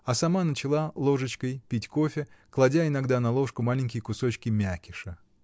А сама начала ложечкой пить кофе, кладя иногда на ложку маленькие кусочки мякиша.